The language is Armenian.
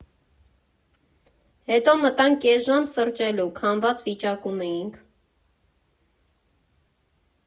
Հետո մտանք կես ժամ սրճելու՝ քամված վիճակում էինք։